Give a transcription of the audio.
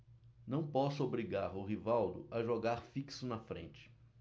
não posso obrigar o rivaldo a jogar fixo na frente